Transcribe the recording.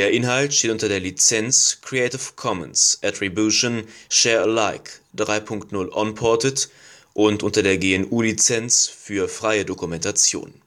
Inhalt steht unter der Lizenz Creative Commons Attribution Share Alike 3 Punkt 0 Unported und unter der GNU Lizenz für freie Dokumentation